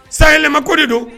San yɛlɛma ko de don?